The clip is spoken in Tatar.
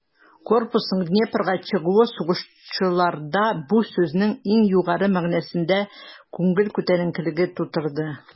Корпусның Днепрга чыгуы сугышчыларда бу сүзнең иң югары мәгънәсендә күңел күтәренкелеге тудырды.